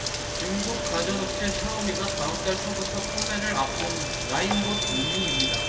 중국 가전업체 샤오미가 다음 달 초부터 판매를 앞둔 나인봇 미니입니다